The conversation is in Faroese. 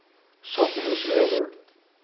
sornhúsvegur